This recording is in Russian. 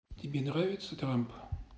тебе нравится трамп